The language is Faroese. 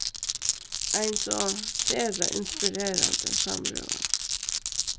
ein so sera inspirerandi samrøða